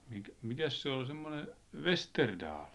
mikäs se oli semmoinen Vesterdahl